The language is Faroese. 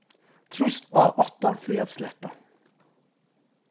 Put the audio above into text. trýst á átta fyri at sletta